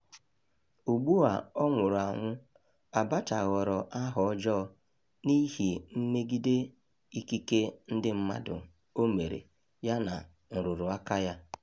Ugbu a ọ nwụrụ anwụ, Abacha ghọrọ aha ọjọọ n'ihi mmegide ikike ndị mmadụ o mere yana nrụrụ aka ya.